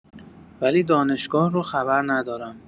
ولی دانشگاه رو خبر ندارم.